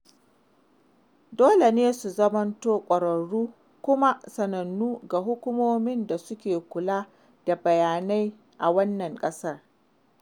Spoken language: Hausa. Dole ne su zamto ƙwararru kuma sanannu ga hukumomin da suke kula da bayanai a wannan ƙasar.